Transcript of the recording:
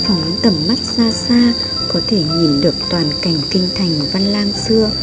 phóng tầm mắt ra xa có thể nhìn được toàn cảnh kinh thành văn lang xưa